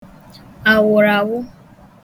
àwụràwụ